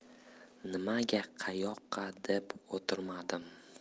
nimaga qayoqqa deb o'tirmadim